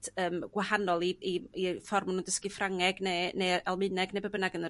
yym wahanol i i i ffor' ma' nw'n dysgu Ffrangeg neu neu Almaeneg neu be bynnag yn yr